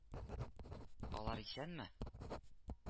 — алар исәнме